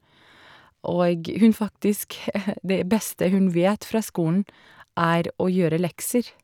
Og hun faktisk det beste hun vet fra skolen, er å gjøre lekser.